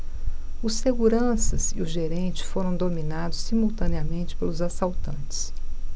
os seguranças e o gerente foram dominados simultaneamente pelos assaltantes